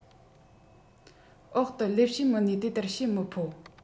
འོག ཏུ ལས བྱེད མི སྣས དེ ལྟར བཤད མི ཕོད